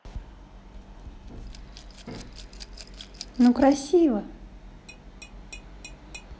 ну красиво